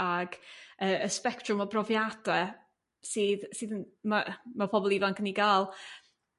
ag yrr y sbectrwm o brofiade sydd sydd yn ma' ma' pobl ifanc yn 'u ga'l.